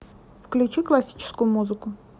включите классическую музыку